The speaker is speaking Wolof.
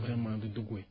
vraiment di dëgguwee